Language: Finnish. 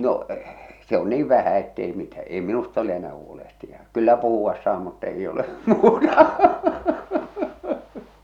no se on niin vähän että ei mitä ei minusta ole enää huolehtija kyllä puhua saa mutta ei ole muuta